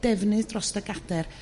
defnydd drost y gader